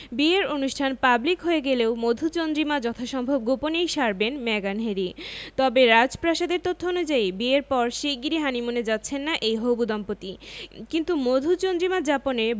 বিয়ের অনুষ্ঠান পাবলিক হয়ে গেলেও মধুচন্দ্রিমা যথাসম্ভব গোপনেই সারবেন মেগান হ্যারি তবে রাজপ্রাসাদের তথ্য অনুযায়ী বিয়ের পর শিগগিরই হানিমুনে যাচ্ছেন না এই হবু দম্পতি কিন্তু মধুচন্দ্রিমা যাপনে